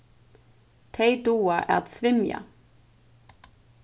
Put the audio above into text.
tey duga at svimja